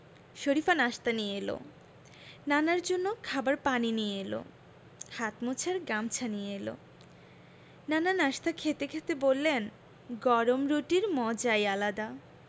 শরিফা নাশতা নিয়ে এলো নানার জন্য খাবার পানি নিয়ে এলো হাত মোছার গামছা নিয়ে এলো নানা নাশতা খেতে খেতে বললেন গরম রুটির মজাই আলাদা